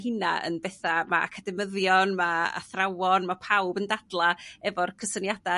hinna yn betha' ma' academyddion ma' athrawon ma' pawb yn dadla' efo'r cysyniada'